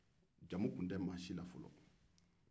jamu tun tɛ maa si la fɔlɔ